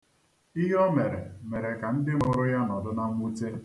Ihe o mere, mere ka ndị mụrụ ya nọdụ na mwute.